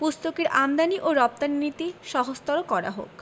পুস্তকের আমদানী ও রপ্তানী নীতি সহজতর করা হোক